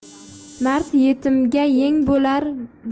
mard yetimga yeng